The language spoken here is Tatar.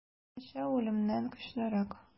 Яшәү үлемнән көчлерәк.